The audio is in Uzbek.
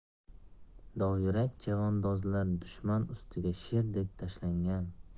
dovyurak chavandozlaring dushman ustiga sherdek tashlangan